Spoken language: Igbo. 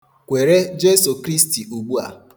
Kwere Jesu Kristi ugbua.